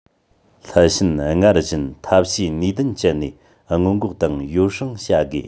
སླད ཕྱིན སྔར བཞིན ཐབས ཤེས ནུས ལྡན སྤྱད ནས སྔོན འགོག དང ཡོ བསྲང བྱ དགོས